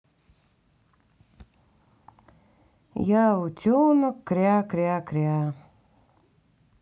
я утенок кря кря кря